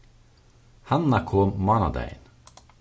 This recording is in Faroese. hanna kom mánadagin